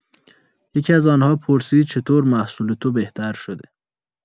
یکی‌از آن‌ها پرسید: «چطور محصول تو بهتر شده؟»